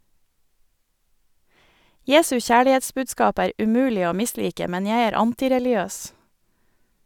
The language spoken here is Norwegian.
Jesu kjærlighetsbudskap er umulig å mislike, men jeg er antireligiøs.